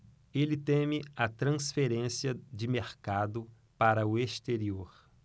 ele teme a transferência de mercado para o exterior